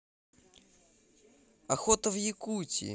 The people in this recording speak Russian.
охота в якутии